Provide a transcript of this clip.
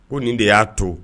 Ko nin de ya to